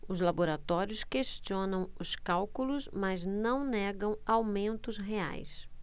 os laboratórios questionam os cálculos mas não negam aumentos reais